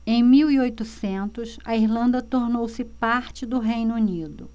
em mil e oitocentos a irlanda tornou-se parte do reino unido